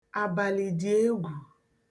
àbàlị̀dị̀egwù